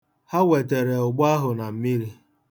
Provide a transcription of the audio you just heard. Ha wetara ụgbụ ahụ na mmiri.